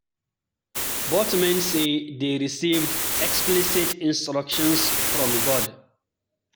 Both men say they received explicit instructions from God